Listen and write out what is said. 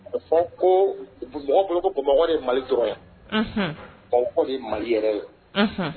Ko mɔgɔ boloko ko bamakɔkari ye malitura mali yɛrɛ ye